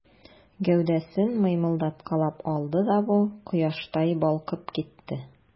Гәүдәсен мыймылдаткалап алды да бу, кояштай балкып китте.